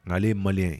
Nka'ale ye mali ye